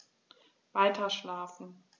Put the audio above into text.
Weiterschlafen.